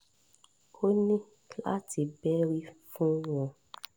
O ní láti bẹ́rí fún wọn,